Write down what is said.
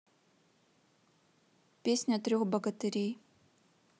песня трех богатырей